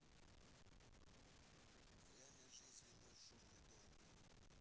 в реальной жизни мой шумный дом